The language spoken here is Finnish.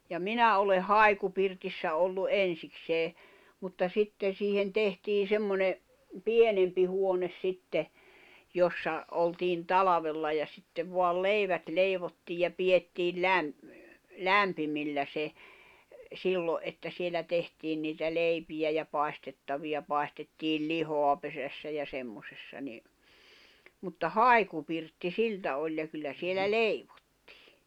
ja minä olen haikupirtissä ollut ensiksi mutta sitten siihen tehtiin semmoinen pienempi huone sitten jossa oltiin talvella ja sitten vain leivät leivottiin ja pidettiin - lämpimillä se silloin että siellä tehtiin niitä leipiä ja paistettavia paistettiin lihaa pesässä ja semmoisessa niin mutta haikupirtti siltä oli ja kyllä siellä leivottiin